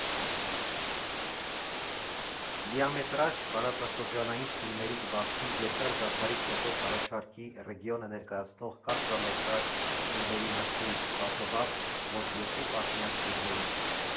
Լիամետրաժ տարածաշրջանային ֆիլմերից բացի, երկար դադարից հետո կառաջարկի ռեգիոնը ներկայացնող կարճամետրաժ ֆիլմերի մրցույթ, կազմված մոտ երկու տասնյակ ֆիլմերից։